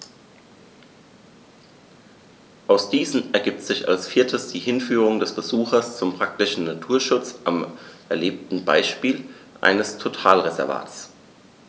Aus diesen ergibt sich als viertes die Hinführung des Besuchers zum praktischen Naturschutz am erlebten Beispiel eines Totalreservats.